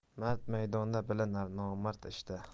mard maydonda bilinar nomard ishda